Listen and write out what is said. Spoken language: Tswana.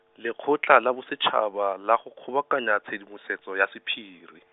Lekgotla la Bosetšhaba la go Kgobokanya Tshedimosetso ya Sephiri.